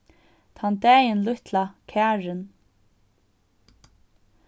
tann dagin lítla karin